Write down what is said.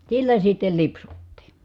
sillä sitten lipsuttiin